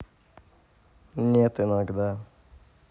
нет иногда